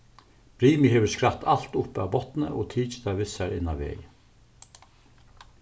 brimið hevur skrætt alt upp av botni og tikið tað við sær inn á vegin